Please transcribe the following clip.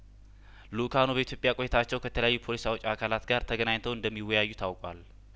ሉካኑ በኢትዮጵያ ቆይታቸው ከተለያዩ ፖሊሲ አውጪ አካላት ጋር ተገናኝተው እንደሚወያዩ ታውቋል